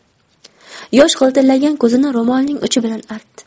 yosh g'iltillagan ko'zini ro'molining uchi bilan artdi